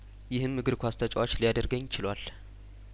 ይህም እግር ኳስ ተጫዋች ሊያደርገኝችሏል